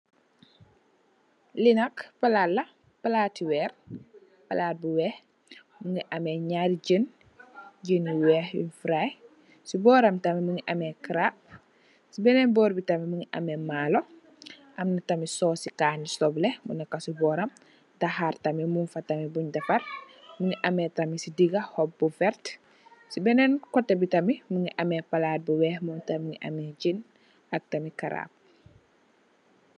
Li nk palat la palati werr palat bu wheh mugi ameh nyari jen, jen nyu wheh yun fry si boram tamit mugi ameh crab si benen borbi tamit mugi ameh malo, amna tamit source si kani sobleh buneka si boram dahar tamit mung fa tamit buñj defar mugi ameh tamit si diga hob bu verte si benen koteh bi tamit mugi ameh palat bu wheh mugi ameh tamit jen ak tamit crab.